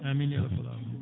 amine ya rabbal alamina